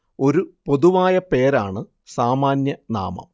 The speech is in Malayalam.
ഒരു പൊതുവായ പേരാണ് സാമാന്യ നാമം